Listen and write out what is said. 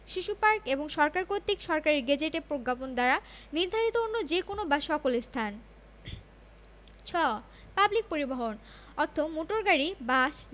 সরকার কর্তৃক সরকারী গেজেটে প্রজ্ঞাপন দ্বারা নির্ধারিত অন্য যে কোন বা সকল স্থান ছ পাবলিক পরিবহণ অর্থ মোটর গাড়ী বাস